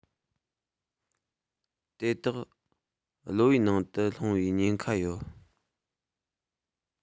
དེ དག གློ བའི ནང དུ ལྷུང བའི ཉེན ཁ ཡོད